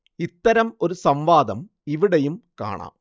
ഇത്തരം ഒരു സംവാദം ഇവിടെയും കാണാം